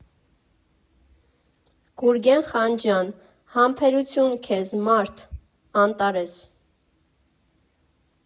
Գուրգեն Խանջյան, «Համբերություն քեզ, մա՛րդ», Անտարես։